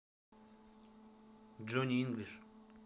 джонни инглиш